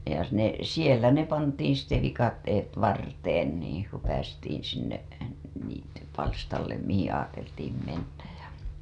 ja ne siellä ne pantiin sitten viikatteet varteen niin kun päästiin sinne niittypalstalle mihin ajateltiin mennä ja